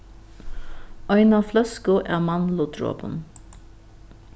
eina fløsku av mandludropum